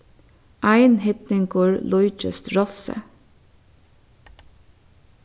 einhyrningur líkist rossi